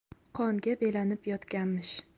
qonga belanib yotganmish